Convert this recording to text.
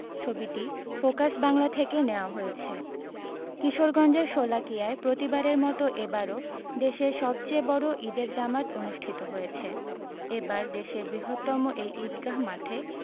ছবিটি ফোকাস বাংলা থেকে নেয়া হয়েছে কিশোরগঞ্জের শোলাকিয়ায় প্রতিবারের মতো এবারও দেশের সবচেয়ে বড় ঈদের জামাত অনুষ্ঠিত হয়েছে এবার দেশের বৃহত্তম এই ঈদগাহ মাঠে